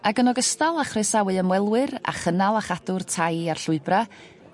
Ag yn ogystal â chroesawu ymwelwyr a chynnal a chadwr tai a'r llwybra'